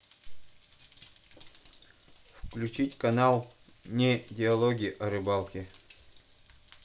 включить канал не диалоги о рыбалке